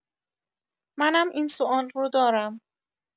منم این سوال رو دارم